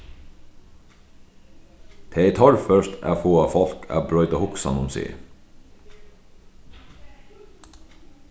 tað er torført at fáa fólk at broyta hugsan um seg